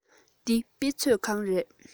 འདི དཔེ མཛོད ཁང རེད